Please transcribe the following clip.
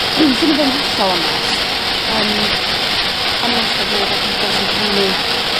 Swn i fod yn hollol onest yym o'n i wastad meddwl bod priodas yn pennu